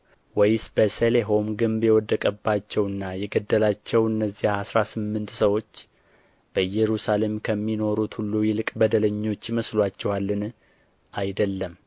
ወይስ በሰሌሆም ግንቡ የወደቀባቸውና የገደላቸው እነዚያ አሥራ ስምንት ሰዎች በኢየሩሳሌም ከሚኖሩት ሁሉ ይልቅ በደለኞች ይመስሉአችኋልን አይደለም